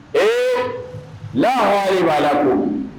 Ee ne h b'a la ko